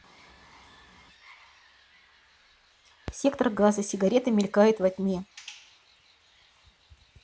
сектор газа сигарета мелькает во тьме